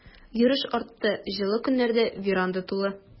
Йөреш артты, җылы көннәрдә веранда тулы.